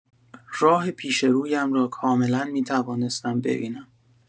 راه پیش رویم را کاملا می‌توانستم ببینم.